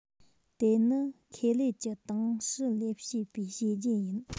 དེ ནི ཁེ ལས ཀྱི ཏང སྲིད ལས བྱེད པའི བྱས རྗེས ཡིན